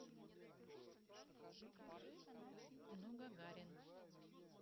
ну гагарин